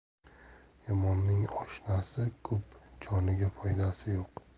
yomonning oshnasi ko'p joniga foydasi yo'q